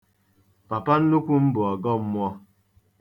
Papa nnukwu m bụ ọ̀gọm̄mụ̄ọ̄.